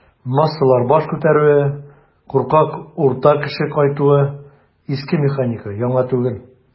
"массалар баш күтәрүе", куркак "урта кеше" кайтуы - иске механика, яңа түгел.